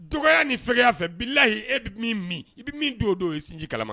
Dɔgɔya ni fɛya fɛ bilahi e bɛ min i bɛ min don don ye sinji kala